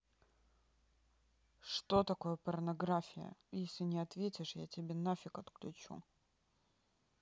что такое порнография если не ответишь я тебе на фиг отключу